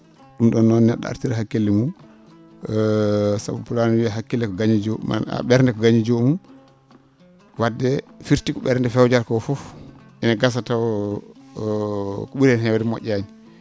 ?um ?on noon ne??o artira hakkille mum sabu pulaar ne wiiya hakkille ko gaño jomum ?ernde ko gaño joomum wadde firti ko ?ernde fewjata ko fof ene gasa taw ko ?uri heen heewde mo??aani